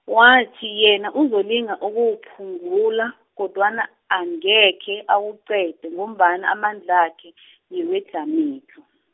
wathi yena uzolinga ukuwuphungula, kodwana angekhe awuqede ngombana amandlakhe , ngewedlhamedlhu.